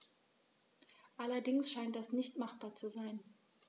Allerdings scheint das nicht machbar zu sein.